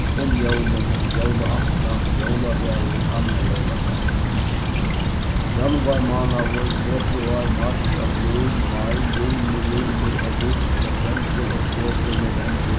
um jólini jólaaftan jóladagur annar jóladagur januar mánaður februar mars apríl mai juni juli august septembur oktobur novembur